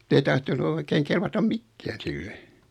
ei tahtonut oikein kelvata mikään sille